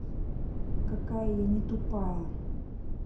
какая я не тупая